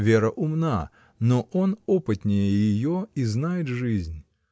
Вера умна, но он опытнее ее и знает жизнь.